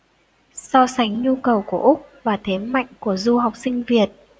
so sánh nhu cầu của úc và thế mạnh của du học sinh việt